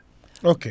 ok